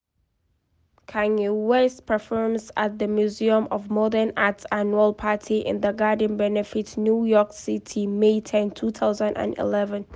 Kanye West performs at The Museum of Modern Art's annual Party in the Garden benefit, New York City, May 10, 2011.